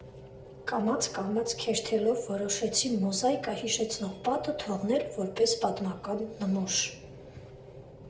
Կամաց֊կամաց քերթելով որոշեցի մոզաիկա հիշեցնող պատը թողնել որպես պատմական նմուշ։